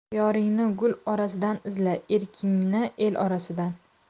yoringni gul orasidan izla erkingni el orasidan